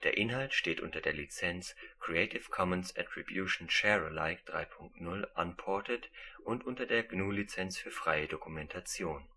Inhalt steht unter der Lizenz Creative Commons Attribution Share Alike 3 Punkt 0 Unported und unter der GNU Lizenz für freie Dokumentation